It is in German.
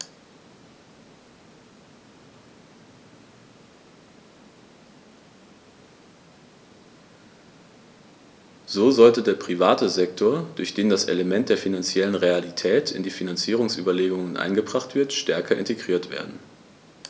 So sollte der private Sektor, durch den das Element der finanziellen Realität in die Finanzierungsüberlegungen eingebracht wird, stärker integriert werden.